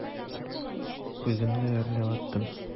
Үземне әрләп аттым.